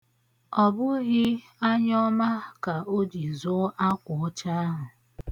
Ọ bụghị anyọọma ka o ji zụọ akwa ọcha ahụ.